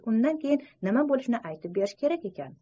undan keyin nima bo'lishini aytib berish kerak ekan